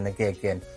...yn y gegin.